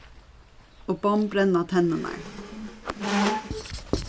og bomm brenna tenninar